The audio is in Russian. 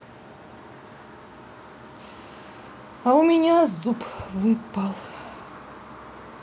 а у меня зуб выпал